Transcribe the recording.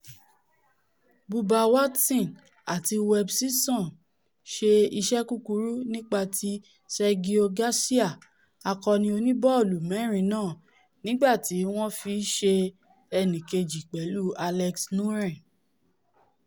Bubba Watson àti Webb Simson ṣe iṣẹ́ kúkúrú nípa ti Sergio Garcia, akọni oníbọ́ọ̀lù-mẹ́rin náà, nígbà tí wọn fí i ṣe ẹnìkeji pẹ̀lú Alex Noren.